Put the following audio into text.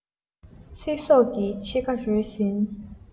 ཚེ སྲོག གི ཕྱེད ཀ རོལ ཟིན